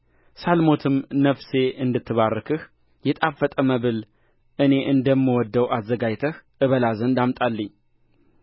ሳልሞትም ነፍሴ እንድትባርክህ የጣፈጠ መብል እኔ እንደምወደው አዘጋጅተህ እበላ ዘንድ አምጣልኝ